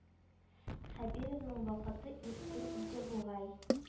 Хәбировның вакыты иркен иде бугай